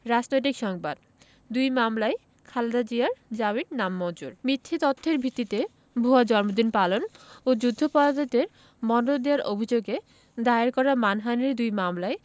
রাজনৈতিক সংবাদ দুই মামলায় খালেদা জিয়ার জামিন নামঞ্জুর মিথ্যা তথ্যের ভিত্তিতে ভুয়া জন্মদিন পালন ও যুদ্ধাপরাধীদের মদদ দেওয়ার অভিযোগে দায়ের করা মানহানির দুই মামলায়